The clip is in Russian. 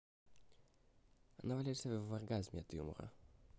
она валяется в оргазме от юмора